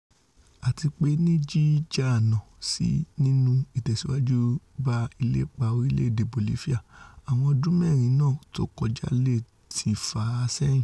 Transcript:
Àtipé ní jíjìnnà sí mímú ìtẹ̵̀síwájú bá ìlépa orílẹ̀-èdè Bolifia, àwọn ọdún mẹ́rin náà tókọjá leè ti fà á sẹ́yìn.